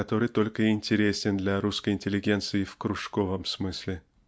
какой только и интересен для русской интеллигенции в кружковом смысле.